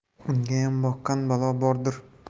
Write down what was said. ungayam boqqan balo bordir